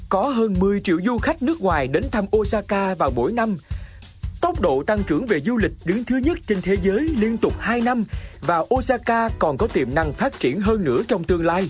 có hơn mười triệu du khách nước ngoài đến thăm ô xa ca vào mỗi năm tốc độ tăng trưởng về du lịch đứng thứ nhất trên thế giới liên tục hai năm và ô xa ca còn có tiềm năng phát triển hơn nữa trong tương lai